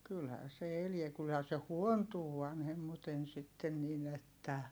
kyllähän se elää kyllähän se huontuu vanhemmiten sitten niin että